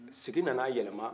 sigi na na a yɛlɛma